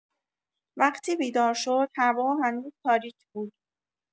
وقتی بیدار شد، هوا هنوز تاریک بود.